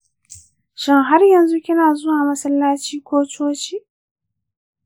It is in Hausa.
shin har yanzu kina zuwa masallaci ko coci?